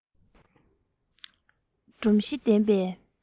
སྒྲོམ གཞི ལྡན པའི